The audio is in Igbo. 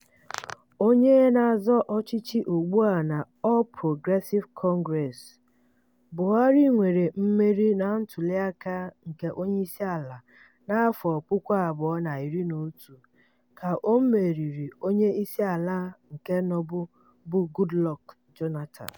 Onye na-azọ ọchịchị ugbu a na All Progressive Congress, Buhari nwere mmeri na ntụliaka nke onye isi ala na 2011 ka o meriri onye isi ala nke nọbu bụ Goodluck Jonathan.